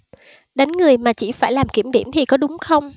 đánh người mà chỉ phải làm kiểm điểm thì có đúng không